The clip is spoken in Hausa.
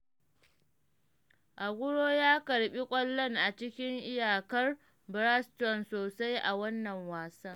Aguero ya karɓi ƙwallon a cikin iyakar Brighton sosai a wannan wasan.